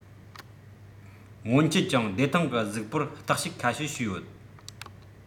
སྔོན ཆད གྱང བདེ ཐང གི གཟུགས པོར བརྟག དཔྱད ཁ ཤས བྱོས ཡོད